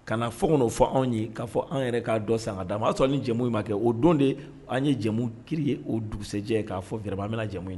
Ka fɔ n'o fɔ anw ye k'a fɔ anw yɛrɛ k'a dɔn san d'a ma'a sɔrɔ a ni jamumu ma kɛ o don de an ye jamu ki ye o dugusɛjɛ ye k'a fɔ gba an bɛna jamu ye